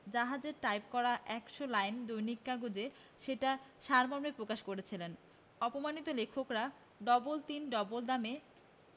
জাহাজের টাইপ করা এক শ লাইন দৈনিক কাগজে সেটা সাড়ম্বরে প্রকাশ করেছিল অপমানিত লেখকরা ডবল তিন ডবল দামে